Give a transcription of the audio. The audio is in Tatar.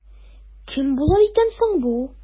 Кем булыр икән соң бу?